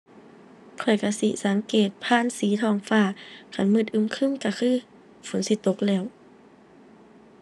ข้อยก็สิสังเกตผ่านสีท้องฟ้า คันมืดอึมครึมก็คือฝนสิตกแล้ว